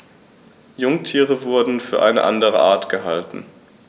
Jungtiere wurden für eine andere Art gehalten.